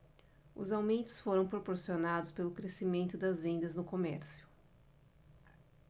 os aumentos foram proporcionados pelo crescimento das vendas no comércio